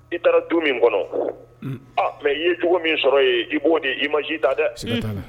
I taara du min kɔnɔ mɛ i ye cogo min sɔrɔ ye i b'o di i ma jii ta dɛ